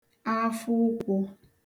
afọụkwụ̄